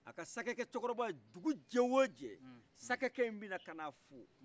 a ka sakɛcɛcɛkɔrɔba dugu jɛ o jɛ a ka sakɛcɛ in bɛna a fo